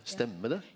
stemmer det?